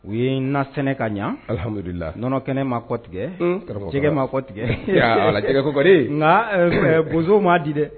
U ye n na sɛnɛ ka ɲɛhamudulila nɔnɔ kɛnɛ ma kɔ tigɛjɛgɛ ma kɔ tigɛjɛ nka bozo ma di dɛ